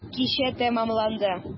Кичә тәмамланды.